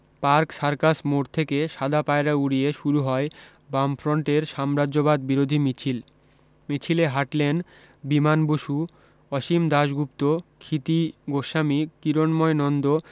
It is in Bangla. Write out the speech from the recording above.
পার্ক সার্কাস মোড় থেকে সাদা পায়রা উড়িয়ে শুরু হয় বামফর্ন্টের সাম্রাজ্যবাদ বিরোধী মিছিল মিছিলে হাঁটলেন বিমান বসু অসীম দাশগুপ্ত ক্ষিতি গোস্বামি কিরণময় নন্দ